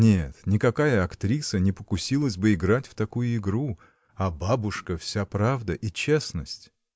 Нет, никакая актриса не покусилась бы играть в такую игру, а бабушка — вся правда и честность!